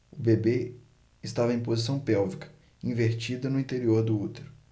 o bebê estava em posição pélvica invertida no interior do útero